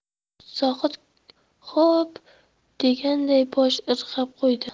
zohid xo'p deganday bosh irg'ab qo'ydi